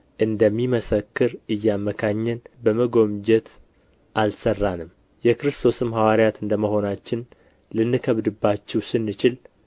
እንደሚመሰክር እያመካኘን በመጐምጀት አልሠራንም የክርስቶስም ሐዋርያት እንደ መሆናችን ልንከብድባችሁ ስንችል